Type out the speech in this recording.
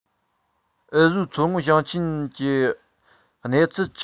འུ བཟོའི མཚོ སྔོན ཞིང ཆེན ན ལྟད མོ ལྟ རྒྱུའོ ཡུལ ལྗོངས གལ ཆེ བ ཆི ཆི ཡོད